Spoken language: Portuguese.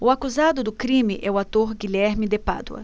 o acusado do crime é o ator guilherme de pádua